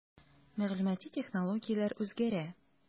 Мәгълүмати технологияләр үзгәрә.